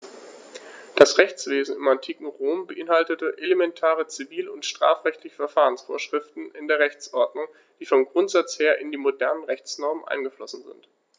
Das Rechtswesen im antiken Rom beinhaltete elementare zivil- und strafrechtliche Verfahrensvorschriften in der Rechtsordnung, die vom Grundsatz her in die modernen Rechtsnormen eingeflossen sind.